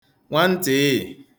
nwantị̀ịị̀